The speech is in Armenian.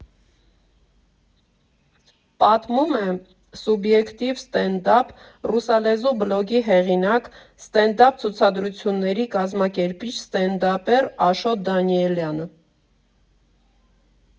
Պատմում է «Սուբյեկտիվ ստենդափ» ռուսալեզու բլոգի հեղինակ, ստենդափ ցուցադրությունների կազմակերպիչ, ստենդափեր Աշոտ Դանիելյանը։